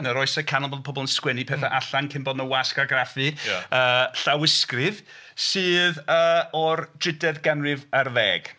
Yn yr oesoedd canol ma' pobl yn sgwennu petha... m-hm. ...allan cyn bod 'na wasg argraffu... ia. ...yy llawysgrif sydd yy o'r drydedd ganrif ar 10.